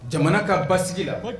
Jamana ka ba sigi la